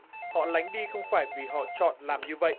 họ lánh đi không phải vì họ chọn làm như vậy